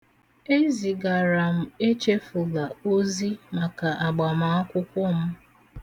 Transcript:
Ezigaara m Echefula ozi maka agbamaakwụkwọ m.